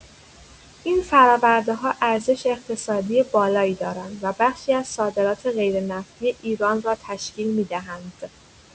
این فرآورده‌ها ارزش اقتصادی بالایی دارند و بخشی از صادرات غیرنفتی ایران را تشکیل می‌دهند.